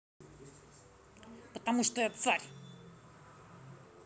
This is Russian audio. потому что я царь